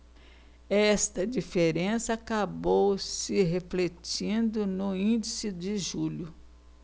esta diferença acabou se refletindo no índice de julho